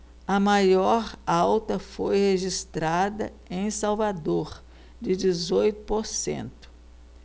a maior alta foi registrada em salvador de dezoito por cento